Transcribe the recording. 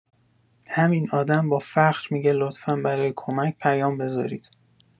همین آدم با فخر می‌گه لطفا برای کمک پیام بزارید!